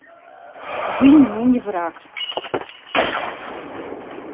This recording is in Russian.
вы мне не враг